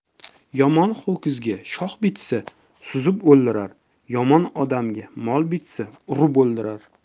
yomon ho'kizga shox bitsa suzib o'ldirar yomon odamga mol bitsa urib o'ldirar